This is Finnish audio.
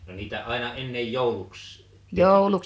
no niitä aina ennen jouluksi tekivät